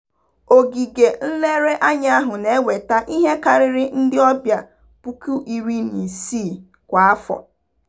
Ogige nlereanya ahụ na-enweta ihe karịrị ndị ọbịa 16,000 kwa afọ.